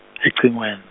ecingwen-.